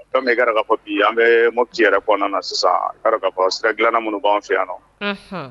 Fɛn min ye i ka dɔn ka fɔ bi, an bɛ Mopti yɛrɛ kɔnɔna na sisan, ka dɔn ka fɔ sira dilanna minnu b'an fɛ yan nɔn, unhun.